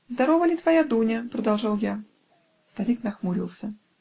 -- "Здорова ли твоя Дуня?" -- продолжал я. Старик нахмурился.